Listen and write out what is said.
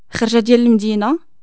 خرجة ديال لمدينة